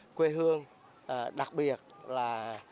quê hương đặc biệt là